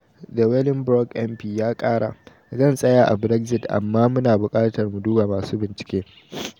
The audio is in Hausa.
The Wellingborough MP ya kara: 'Zan tsaya a kan Brexit amma mu na buƙatar mu duba masu bincike.'